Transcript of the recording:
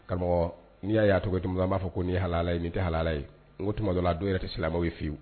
Karamɔgɔ n'i y'a'a cogo n b'a fɔ ko n ni hala ye tɛ hala ye n ko tumajɔla dɔw yɛrɛ tɛ silamɛ ye fiyewu